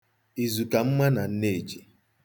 Izu ka mma na nneeji.